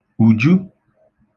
ùju